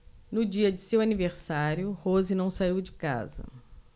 no dia de seu aniversário rose não saiu de casa